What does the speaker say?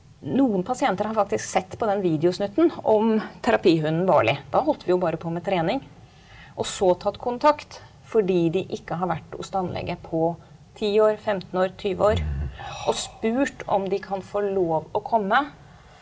noen pasienter har faktisk sett på den videosnutten om terapihunden Barley, da holdt vi jo bare på med trening, og så tatt kontakt fordi de ikke har vært hos tannlege på ti år 15 år 20 år og spurt om de kan få lov å komme.